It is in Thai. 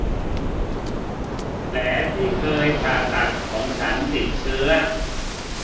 แผลที่เคยผ่าตัดของฉันติดเชื้อ